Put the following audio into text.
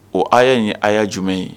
O aya in ye aya jumɛn ye?